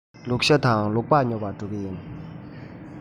ལུག ཤ དང ལུག ལྤགས ཉོ བར འགྲོ གི ཡིན